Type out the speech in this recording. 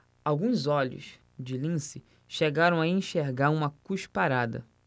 alguns olhos de lince chegaram a enxergar uma cusparada